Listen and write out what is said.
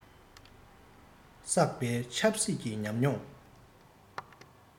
ཛ བསགས པའི ཆབ སྲིད ཀྱི ཉམས མྱོང